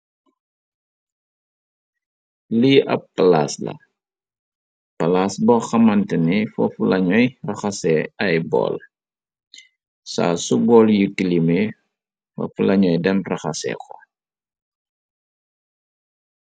Lii ab palaas la, palaas bo xamante ni fafu lañuy raxasee ay bool, saa su bool yu kilime, faf lañuy dem raxase xo.